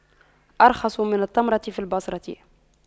أرخص من التمر في البصرة